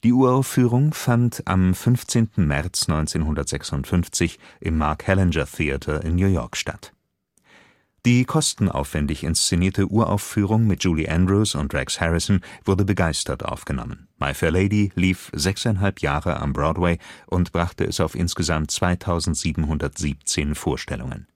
Uraufführung fand am 15. März 1956 im Mark Hellinger Theatre in New York statt. Die kostenaufwendig inszenierte Uraufführung mit Julie Andrews und Rex Harrison wurde begeistert aufgenommen, My Fair Lady lief sechseinhalb Jahre am Broadway und brachte es auf insgesamt 2.717 Vorstellungen